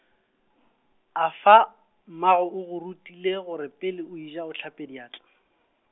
afa, mmago o go rutile gore pele o eja o hlape diatla?